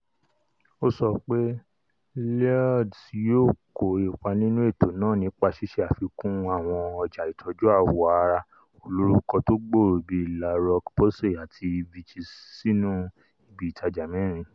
Ó sọ pé Lloyds yóò kó ipa nínú ètò náà, nípa ṣíṣe àfikún àwọn ọjà itọju awọ ara olorúkọ tógbòòrò bíi La Roch-Posay àti Vichy sínú ibi ìtajà mẹ́rin.